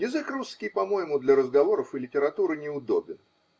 Язык русский, по моему, для разговоров и литературы неудобен